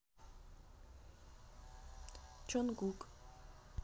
чон гук